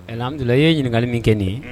Hamdula i ye ɲininkali min kɛ nin ye